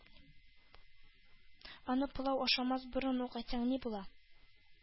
Аны пылау ашамас борын ук әйтсәң ни була!